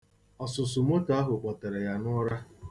Ọsụsụ moto ahụ kpọtere ya n'ụra